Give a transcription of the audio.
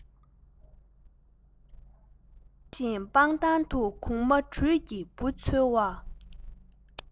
བོད པ བཞིན སྤང ཐང དུ གུག མ དུད ཀྱིས འབུ འཚོལ བ